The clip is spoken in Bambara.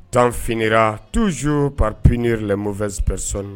Tan fra tuuzo papye 02p sɔn